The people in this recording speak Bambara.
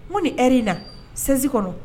Ŋo nin heure in na chaise kɔnɔ